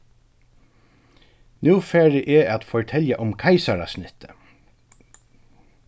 nú fari eg at fortelja um keisarasnittið